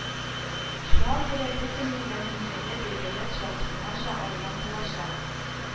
Шуңа күрә бу көнне ярминкәдә бәяләр чагыштырмача арзан булачак